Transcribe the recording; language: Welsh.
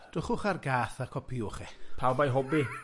Wel, dwchwch ar gath a copiwch e. Pawb a'i hobi.